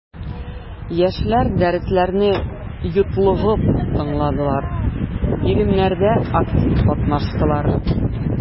Яшьләр дәресләрне йотлыгып тыңладылар, биремнәрдә актив катнаштылар.